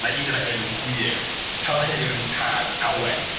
Mae un efo enw gwych, Talhaearn Tad Awen.